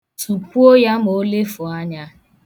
Tụpuo ya ma o lefu anya.